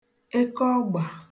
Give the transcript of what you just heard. ekeọgbà